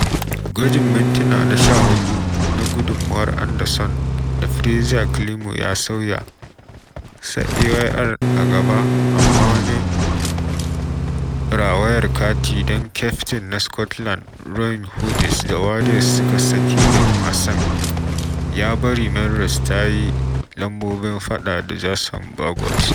Gwajin mintina na 14 na gudunmawar Anderson, da Frazier Climo ya sauya, sa Ayr a gaba, amma, wani rawayar kati don kyaftin na Scotland Rory Hughes, da Warriors suka sake don wasan, ya bari Melrose ta yi lambobin faɗa da Jason Baggot